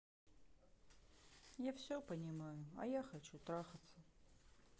я все понимаю а я хочу трахаться